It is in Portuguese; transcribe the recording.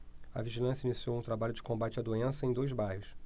a vigilância iniciou um trabalho de combate à doença em dois bairros